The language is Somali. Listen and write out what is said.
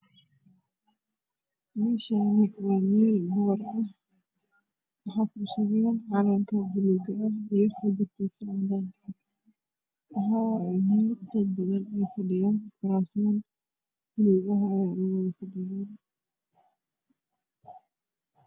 Meeshaan waa meel boor ah waxaa kusawiran calanka buluug ah waxaa ag fadhiyo niman badan oo kuraas kufadhiyo.